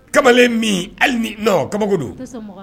Kamalen min ali ni kaba don